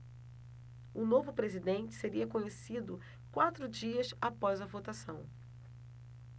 o novo presidente seria conhecido quatro dias após a votação